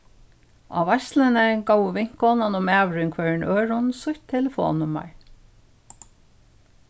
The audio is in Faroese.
á veitsluni góvu vinkonan og maðurin hvørjum øðrum sítt telefonnummar